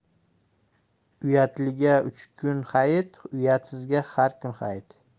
uyatuga uch kun hayit uyatsizga har kun hayit